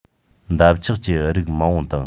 འདབ ཆགས ཀྱི རིགས མང པོ དང